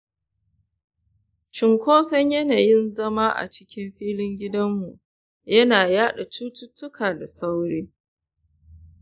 cunkoson yanayin zama a cikin filin gidanmu yana yaɗa cututtuka da sauri.